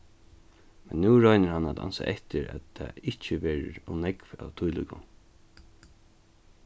men nú roynir hann at ansa eftir at tað ikki verður ov nógv av tílíkum